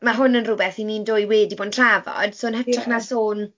Ma' hwn yn rywbeth 'y ni'n dwy wedi bod yn trafod, so yn hytrach 'na sôn...